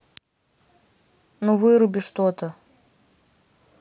ну выруби что то